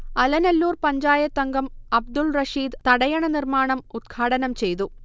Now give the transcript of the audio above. അലനല്ലൂർ പഞ്ചായത്തംഗം അബ്ദുൾറഷീദ് തടയണ നിർമാണം ഉദ്ഘാടനംചെയ്തു